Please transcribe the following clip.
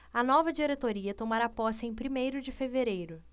a nova diretoria tomará posse em primeiro de fevereiro